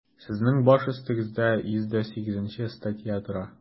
Сезнең баш өстегездә 102 нче статья тора.